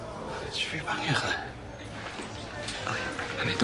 Ti isiot fi banio chdi?